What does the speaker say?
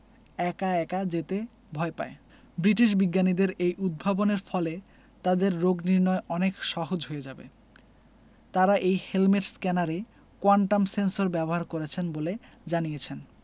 একা একা যেতে ভয় পায় ব্রিটিশ বিজ্ঞানীদের এই উদ্ভাবনের ফলে তাদের রোগনির্নয় অনেক সহজ হয়ে যাবে তারা এই হেলমেট স্ক্যানারে কোয়ান্টাম সেন্সর ব্যবহার করেছেন বলে জানিয়েছেন